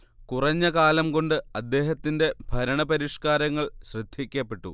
കുറഞ്ഞ കാലം കൊണ്ട് അദ്ദേഹത്തിന്റെ ഭരണ പരിഷ്കാരങ്ങൾ ശ്രദ്ധിക്കപ്പെട്ടു